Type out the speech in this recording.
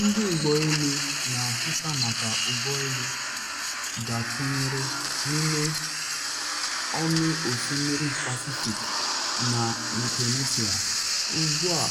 Ndị ụgbọ elu na ahụta maka ụgbọ elu dakpunyere n’ime ọmị osimiri Pacific na Micronesia ugbu a